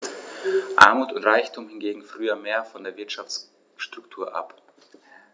Armut und Reichtum hingen früher mehr von der Wirtschaftsstruktur ab.